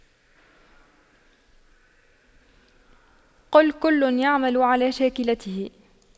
قُل كُلٌّ يَعمَلُ عَلَى شَاكِلَتِهِ